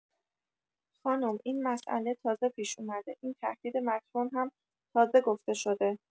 خانم این مسئله تازه پیش اومده این تهدید مکرون هم تازه گفته‌شده